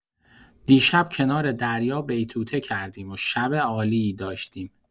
دیشب کنار دریا بیتوته کردیم و شب عالی‌ای داشتیم.